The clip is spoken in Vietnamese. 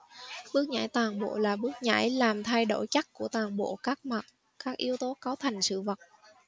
bước nhảy toàn bộ là bước nhảy làm thay đổi chất của toàn bộ các mặt các yếu tố cấu thành sự vật